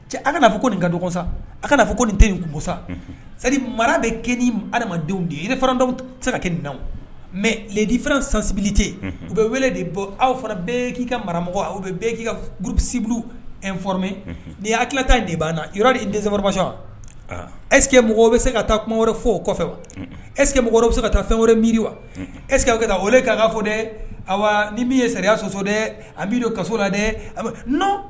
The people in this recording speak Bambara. Sa adamadenw se nin mɛ di u bɛ wele de bɔ aw fana k'i ka maramɔgɔ'i kasi ni tilala tan de b'a na denmasa eske mɔgɔw bɛ se ka taa kuma wɛrɛ fɔ o kɔfɛ wa esekeke mɔgɔ bɛ se ka taa fɛn wɛrɛ miiri wa esekeke kɛ taa k ka ka fɔ dɛ ni min ye sariyaya sɔsɔ dɛ a b'i don kaso la